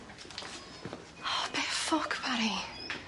O be ffwc Bari.